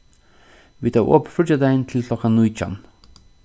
vit hava opið fríggjadagin til klokkan nítjan